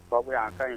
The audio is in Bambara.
Ba yan anan ka ɲi